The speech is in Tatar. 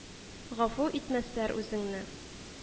Гафу итмәсләр үзеңне